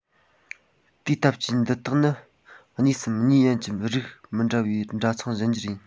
དེའི སྟབས ཀྱིས འདི དག ནི གཉིས སམ གཉིས ཡན གྱི རིགས མི འདྲ བའི འདྲ མཚུངས གཞན འགྱུར རེད